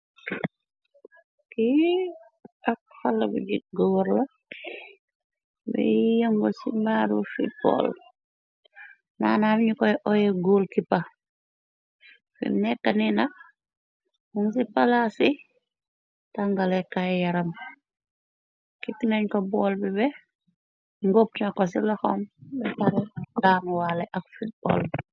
Ki ak xala bu gi goor la bi yi yëngul ci mbaaru fit pall naanaam ñu koy oyé guol kipax fim nekkanina bumu ci pala ci tangale kay yaram kit nañ ko bool bi be ngoppna ko ci loxam bi pare daanuwaale ak fit pall.